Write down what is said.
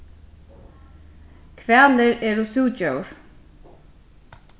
hvalir eru súgdjór